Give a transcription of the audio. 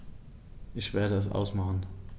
Ich werde es ausmachen